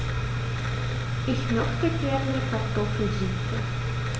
Ich möchte gerne Kartoffelsuppe.